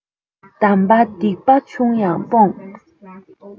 དམ པ སྡིག པ ཆུང ཡང སྤོང